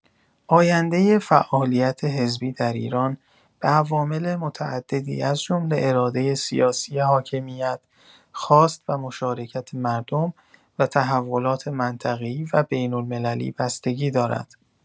آینده فعالیت حزبی در ایران به عوامل متعددی از جمله اراده سیاسی حاکمیت، خواست و مشارکت مردم و تحولات منطقه‌ای و بین‌المللی بستگی دارد.